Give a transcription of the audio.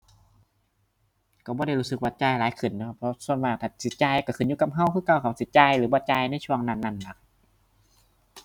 ก็บ่ได้รู้สึกว่าจ่ายหลายขึ้นเนาะครับเพราะส่วนมากถ้าสิจ่ายก็ขึ้นอยู่กับก็คือเก่าเขาสิจ่ายหรือบ่จ่ายในช่วงนั้นนั้นล่ะ